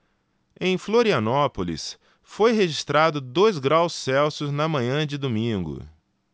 em florianópolis foi registrado dois graus celsius na manhã de domingo